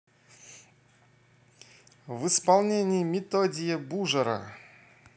в исполнении методие бужора